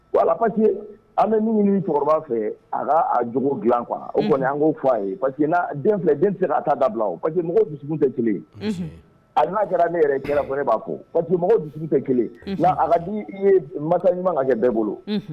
Wa la pa que an bɛ min ɲini cɛkɔrɔba fɛ a ka a jo dila kɔnɔ o kɔni an ko f fɔ a ye pa que den filɛ den sera ka a taa dabila o parce quemɔgɔ dusutu tɛ kelen a n'a kɛra ne yɛrɛ kɛra fɔ b'a ko pa quemɔgɔ dusuumu tɛ kelen a ka i ye mansa ɲuman ka kɛ bɛɛ bolo